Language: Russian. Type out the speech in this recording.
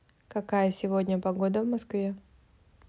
какая сегодня погода в москве